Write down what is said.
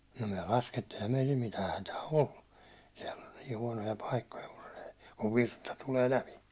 no me laskettiin eihän meillä mitään hätää ollut siellä oli niin huonoja paikkoja kun se kun virta tulee läpi